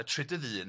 y trydydd un,